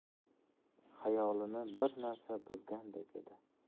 xayolini bir narsa buzgandek edi